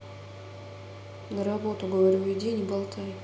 на работу говорю иди не болтай